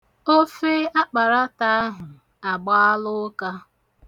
Ofe akparata ahụ agbaala ụka.